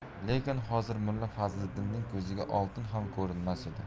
lekin hozir mulla fazliddinning ko'ziga oltin ham ko'rinmas edi